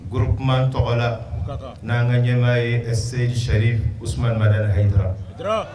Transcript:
Groupement tɔgɔra , okay kan, n'an ka ɲɛma ye Aseyidu Serif Hayidara.